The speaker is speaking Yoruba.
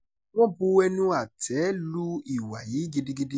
Wọ́n bu ẹnu àtẹ́ lu ìwà yìí gidigidi.